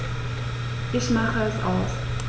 Ich mache es aus.